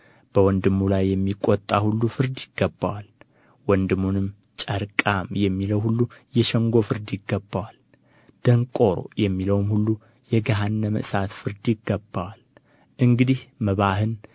በወንድሙ ላይ የሚቆጣ ሁሉ ፍርድ ይገባዋል ወንድሙንም ጨርቃም የሚለው ሁሉ የሸንጎ ፍርድ ይገባዋል ደንቆሮ የሚለውም ሁሉ የገሃነመ እሳት ፍርድ ይገባዋል እንግዲህ መባህን